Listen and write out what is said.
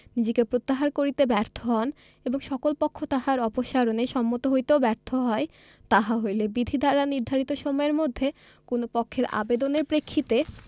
নিজেকে প্রত্যাহার কারিতে ব্যর্থ হন এবং সকল পক্ষ তাহার অপসারণে সম্মত হইতেও ব্যর্থ হয় তাহা হইলে বিধি দ্বারা নির্ধারিত সময়ের মধ্যে কোন পক্ষের আবেদনের প্রেক্ষিতে